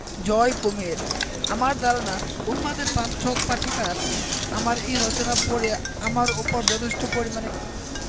জয় কুমীর | আমার ধারণা উন্মাদের পাঠক পাঠিকার আমার এই রচনা পড়ে আমার উপর যথেষ্ট পরিমাণে